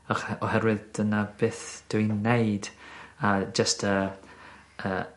oche- oherwydd dyna byth dwi'n wneud a jyst y y